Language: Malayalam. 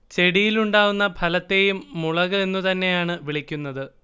ചെടിയിൽ ഉണ്ടാവുന്ന ഫലത്തേയും മുളക് എന്ന് തന്നെയാണ് വിളിക്കുന്നത്